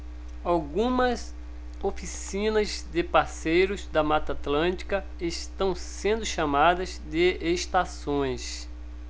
algumas oficinas de parceiros da mata atlântica estão sendo chamadas de estações